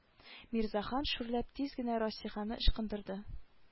Мирзахан шүрләп тиз генә расиханы ычкындырды